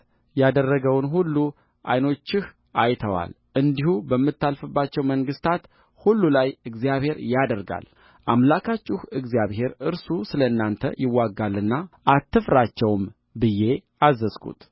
ያደረገውን ሁሉ ዓይኖችህ አይተዋል እንዲሁ በምታልፍባቸው መንግሥታት ሁሉ ላይ እግዚአብሔር ያደርጋልአምላካችሁ እግዚአብሔር እርሱ ስለ እናንተ ይዋጋልና አትፍራቸውም ብዬ አዘዝሁት